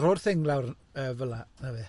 Rho'r thing lawr yy fel'a, na fe.